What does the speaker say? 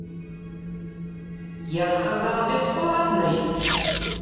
я сказал бесплатный